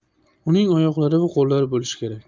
uning oyoqlari va qo'llari bo'lishi kerak